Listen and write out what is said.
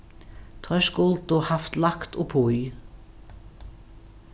teir skuldu havt lagt uppí